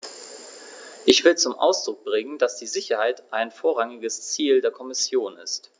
Ich will zum Ausdruck bringen, dass die Sicherheit ein vorrangiges Ziel der Kommission ist.